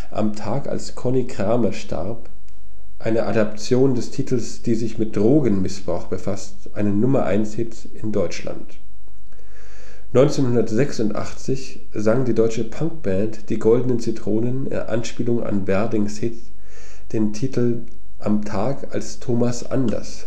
Am Tag, als Conny Kramer starb, einer Adaption des Titels, die sich mit Drogenmissbrauch befasst, einen Nummer-eins-Hit in Deutschland. 1986 sang die deutsche Punkband Die Goldenen Zitronen in Anspielung an Werdings Hit den Titel Am Tag, als Thomas Anders